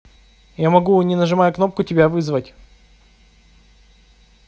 я могу не нажимая кнопку тебя вызвать